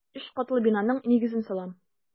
Өч катлы бинаның нигезен салам.